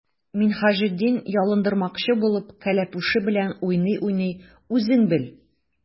Минһаҗетдин, ялындырмакчы булып, кәләпүше белән уйный-уйный:— Үзең бел!